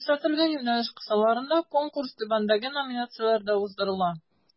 Күрсәтелгән юнәлеш кысаларында Конкурс түбәндәге номинацияләрдә уздырыла: